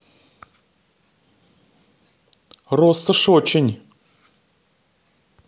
россошь очень